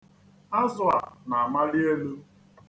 Azụ a na-amali elu.